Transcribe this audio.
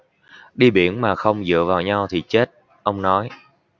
đi biển mà không dựa vào nhau thì chết ông nói